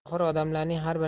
tohir odamlarning har